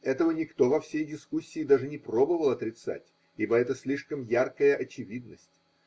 Этого никто во всей дискуссии даже не пробовал отрицать, ибо это слишком яркая очевидность.